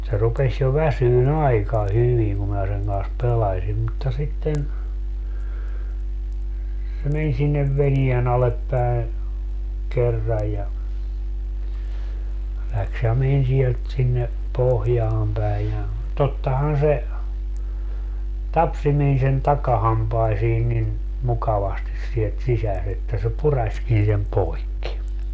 se rupesi jo väsymään aika hyvin kun minä sen kanssa pelasin mutta sitten se meni sinne veneen alle päin kerran ja lähti ja meni sieltä sinne pohjaan päin ja tottahan se tapsi meni sen takahampaisiin niin mukavasti sieltä sisässä että se puraisikin sen poikki